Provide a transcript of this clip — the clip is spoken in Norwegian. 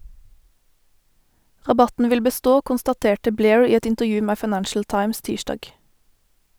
- Rabatten vil bestå, konstaterte Blair i et intervju med Financial Times tirsdag.